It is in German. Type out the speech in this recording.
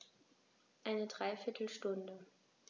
Eine dreiviertel Stunde